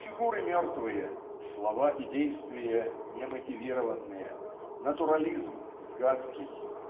Фигуры мертвые, слова и действия немотивированные, натурализм гадкий